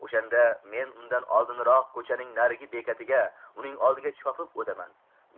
o'shanda men undan oldinroq ko'chaning narigi betiga uning oldiga chopib o'taman